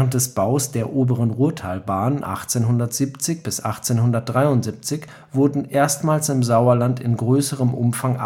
des Baus der Oberen Ruhrtalbahn 1870 bis 1873 wurden erstmals im Sauerland in größerem Umfang Arbeitskräfte